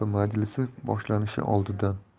majlisi boshlanishi oldidan